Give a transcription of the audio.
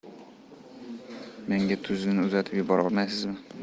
menga tuzni uzatib yubora olmaysizmi